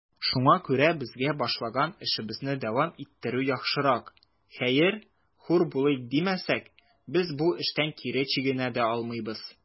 Шуңа күрә безгә башлаган эшебезне дәвам иттерү яхшырак; хәер, хур булыйк димәсәк, без бу эштән кире чигенә дә алмыйбыз.